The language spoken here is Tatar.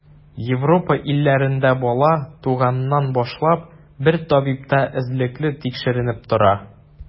Европа илләрендә бала, туганнан башлап, бер табибта эзлекле тикшеренеп тора.